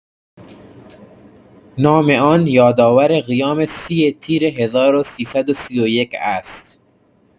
نام آن یادآور قیام سی تیر ۱۳۳۱ است.